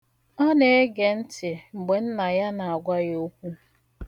Ọ na-ege ntị mgbe nna ya na-agwa ya okwu.